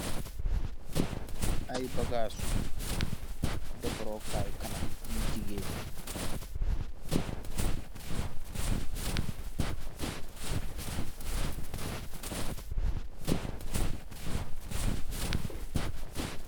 Ay bagaasu defarru Kai kanam yu gigeen.